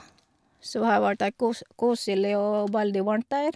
Så har vært der kos koselig og veldig varmt der.